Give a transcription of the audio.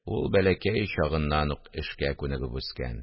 Ул бәләкәй чагыннан ук эшкә күнегеп үскән